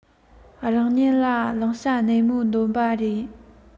རང ཉིད ལ བླང བྱ ནན མོ འདོན པ རེད